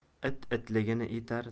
it itligini etar